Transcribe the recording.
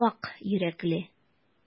Пакь йөрәкле.